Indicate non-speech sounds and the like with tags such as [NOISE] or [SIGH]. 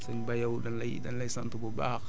ah comme nag [HESITATION] émission bi jeex na